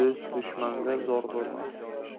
do'st dushmanga zor bo'lmas